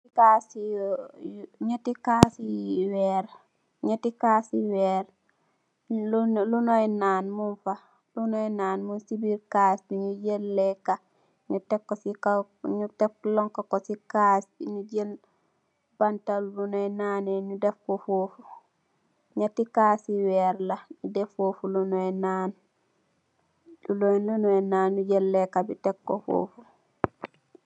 Kaas i,weer, ñatti kaas i weer. Lu ñuy naan muñg fa, lu ñuy naan muñg si biir kaas bi, ñu jël léékë, tek ko si kow, long kaas bi, jël bantë bu ñuy naan e,def ko foo fu. Ñatti kaas i weer la, tek foo Fu lu ñuy naan, jël léékë bi tek ko foof.